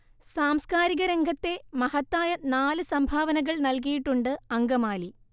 സാംസ്കാരിക രംഗത്തെ മഹത്തായ നാല് സംഭാവനകൾ നൽകിയിട്ടുണ്ട് അങ്കമാലി